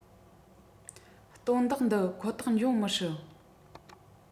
དོན དག འདི ཁོ ཐག འབྱུང མི སྲིད